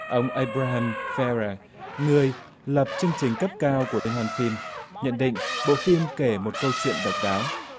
ông ây bờ ra hâm phe ra người lập chương trình cấp cao của liên hoan phim nhận định bộ phim kể một câu chuyện độc đáo